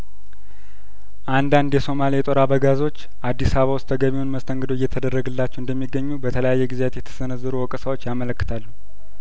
አንዳንድ የሶማሌ የጦር አበጋዞች አዲስአባ ውስጥ ተገቢውን መስተንግዶ እየተደረገላቸው እንደሚገኙ በተለያዩ ጊዜያት የተሰነዘሩ ወቀሳዎች ያመለክ ታሉ